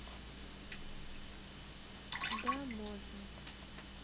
да можно